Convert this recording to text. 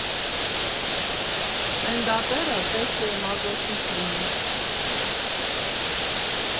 Ստենդափերը պիտի մազոխիստ լինի։